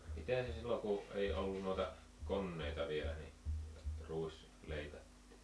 miten se silloin kun ei ollut noita koneita vielä niin ruis leikattiin